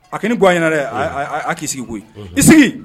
A ki ni bɔ a'ɲɛna dɛ a a a k'i sigi koyi i sigi